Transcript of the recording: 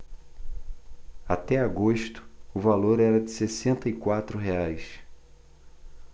até agosto o valor era de sessenta e quatro reais